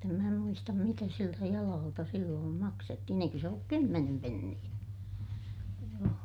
mutta en minä muista mitä siltä jalalta silloin maksettiin eikö se ollut kymmenen penniä joo